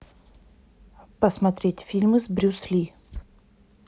посмотреть фильмы с брюс ли